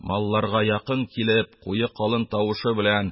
Малларга якын килеп, куе калын тавышы белән: